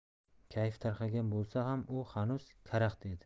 kayfi tarqagan bo'lsa ham u hanuz karaxt edi